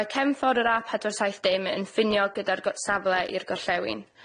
Mae cefn ffor yr a pedwar saith dim yn ffinio gyda'r go- safle i'r gorllewin.